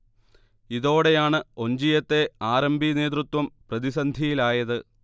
ഇതോടെയാണ് ഒഞ്ചിയത്തെ R. M. P. നേതൃത്വം പ്രതിസന്ധിയിലായത്